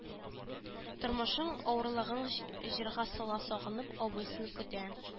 Тормышың авырлыгын җырга сала сагынып абыйсын көтә